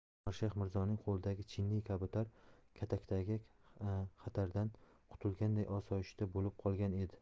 faqat umarshayx mirzoning qo'lidagi chiniy kabutar katakdagi xatardan qutulganday osoyishta bo'lib qolgan edi